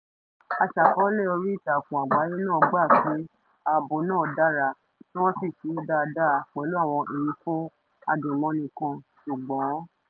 Aṣàkọọ́lẹ̀ oríìtakùn àgbáyé náà gbà pé àbọ̀ náà dára tí wọ́n sì ṣe é dáadáa pẹ̀lú àwọn ìwífún adùnmọ́ni kan, ṣùgbọ́n...